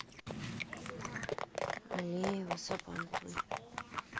алеево сабантуй